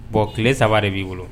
Bon tile saba de b'i bolo